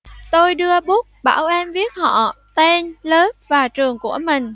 tôi đưa bút bảo em viết họ tên lớp và trường của mình